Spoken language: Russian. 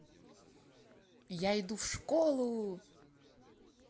я иду в школу